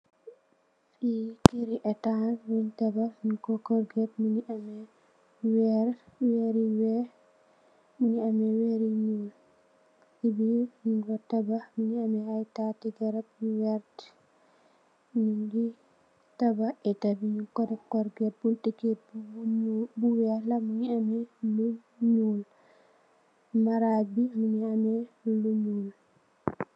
Fi kërri etans bun tabah nung ko corket. Mungi ameh wërr, wërr yu weeh mungi ameh wërr yu ñuul . Ci biir nung fa tabah mungi ameh ay taati garab yu vert. Nungi tabah artabi nung ko deff corket bunn ti kër gi bi ñuul bu weeh la mungi ameh lu ñuul. Maraj bi mungi ameh lu ñuul.